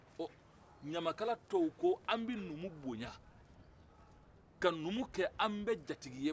ɔ ɲamakala tɔw ko an bɛ numu bonya ka numu kɛ an bɛɛ jatigi ye